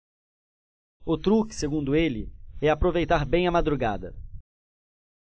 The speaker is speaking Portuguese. o truque segundo ele é aproveitar bem a madrugada